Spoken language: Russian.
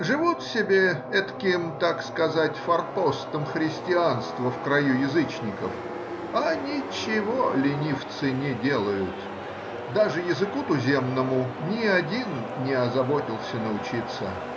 живут себе этаким, так сказать, форпостом христианства в краю язычников, а ничего, ленивцы, не делают — даже языку туземному ни один не озаботился научиться.